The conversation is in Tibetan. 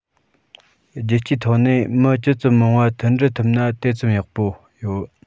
རྒྱལ སྤྱིའི ཐོག ནས མི ཇི ཙམ མང བ མཐུན སྒྲིལ ཐུབ ན དེ ཙམ ཡག པོ ཡོད